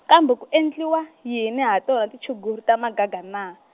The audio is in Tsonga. kambe ku endliwa yini ha tona tinchuguru ta magaga na?